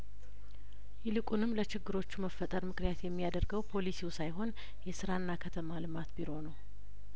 ይልቁንም ለችግሮቹ መፈጠር ምክንያት የሚያደርገው ፖሊሲው ሳይሆን የስራና ከተማ ልማት ቢሮ ነው